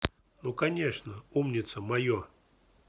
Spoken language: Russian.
ну конечно умница мое